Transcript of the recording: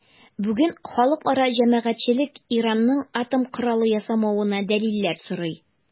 Бүген халыкара җәмәгатьчелек Иранның атом коралы ясамавына дәлилләр сорый.